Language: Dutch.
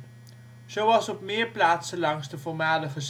Zoals op meer plaatsen langs de voormalige Zuiderzee